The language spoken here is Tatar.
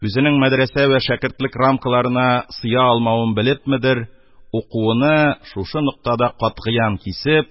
Үзенең мәдрәсә вә шәкертлек рамкаларына сыя алмавыны белепмедер, укуыны шул ноктада катгыян кисеп,